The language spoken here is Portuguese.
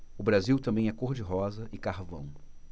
o brasil também é cor de rosa e carvão